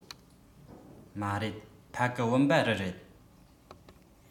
མ རེད ཕ གི བུམ པ རི རེད